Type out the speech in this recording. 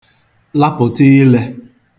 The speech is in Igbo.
lapụ̀ta ilē